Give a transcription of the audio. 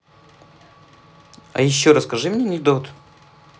а еще расскажи мне анекдот